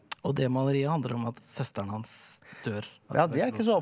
og det maleriet handler om at søsteren hans dør .